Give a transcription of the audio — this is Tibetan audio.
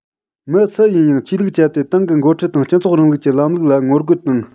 མི སུ ཡིན ཡང ཆོས ལུགས སྤྱད དེ ཏང གི འགོ ཁྲིད དང སྤྱི ཚོགས རིང ལུགས ཀྱི ལམ ལུགས ལ ངོ རྒོལ དང